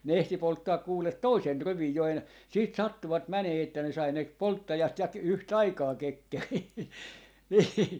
ne ehti polttaa kuule toisen rivin jo - sitten sattuivat menemään että ne sai ne polttajat ja - yhtä aikaa kekkeriin niin